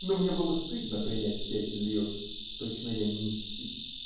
Но мне было стыдно принять пять лир, точно я нищий.